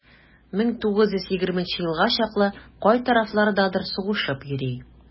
1920 елга чаклы кай тарафлардадыр сугышып йөри.